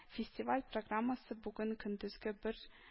Фестиваль программасы бүген көндезге бер